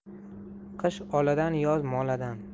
qish oladan yoz moladan